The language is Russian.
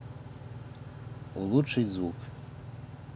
улучшить звук